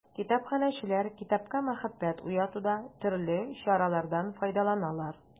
Китапханәчеләр китапка мәхәббәт уятуда төрле чаралардан файдаланалар.